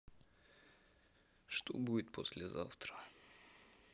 что будет послезавтра